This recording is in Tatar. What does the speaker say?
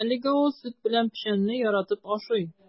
Әлегә ул сөт белән печәнне яратып ашый.